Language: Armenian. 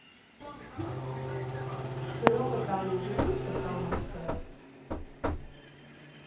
Գրողը տանի, դու ի՞նչ ես անում ստեղ։